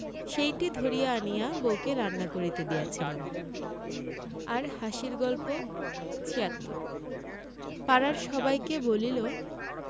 সেইটি ধরিয়া আনিয়া বউকে রান্না করিতে দিয়াছিলাম আর হাসির গল্প ৭৬ পাড়ার সবাইকে বলিল